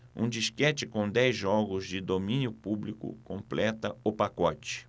um disquete com dez jogos de domínio público completa o pacote